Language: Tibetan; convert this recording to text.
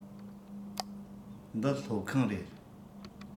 འདི སློབ ཁང རེད